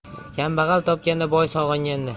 kambag'al topganda boy sog'inganda